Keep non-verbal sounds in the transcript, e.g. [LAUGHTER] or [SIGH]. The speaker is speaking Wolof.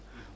[HESITATION] [HESITATION]